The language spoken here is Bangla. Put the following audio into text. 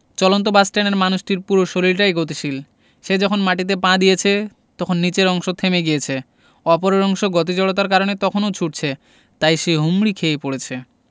চলন্ত বাস ট্রেনের মানুষটির পুরো শরীরটাই গতিশীল সে যখন মাটিতে পা দিয়েছে তখন নিচের অংশ থেমে গিয়েছে অপরের অংশ গতি জড়তার কারণে তখনো ছুটছে তাই সে হুমড়ি খেয়ে পড়ছে